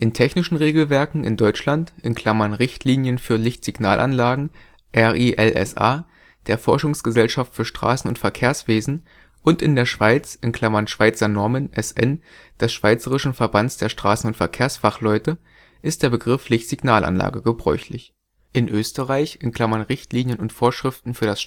technischen Regelwerken in Deutschland (Richtlinien für Lichtsignalanlagen (RiLSA) der Forschungsgesellschaft für Straßen - und Verkehrswesen) und in der Schweiz (Schweizer Normen (SN) des Schweizerischen Verbands der Straßen - und Verkehrsfachleute) ist der Begriff Lichtsignalanlage gebräuchlich. In Österreich (Richtlinien und Vorschriften für das